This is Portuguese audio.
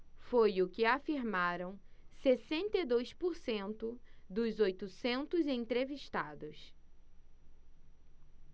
foi o que afirmaram sessenta e dois por cento dos oitocentos entrevistados